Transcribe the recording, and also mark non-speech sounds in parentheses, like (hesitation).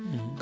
(hesitation) (hesitation)